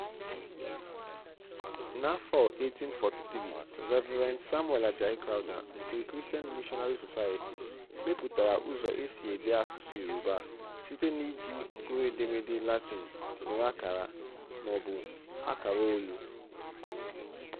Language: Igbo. N'afọ 1843, Reverend Samuel Àjàyí Crowther nke Christian Missionary Society mepụtara ụzọ e si ede asụsụ Yorùbá site n'iji mkpụrụedemede Latin nwere akara — ma ọ bụ akara olu.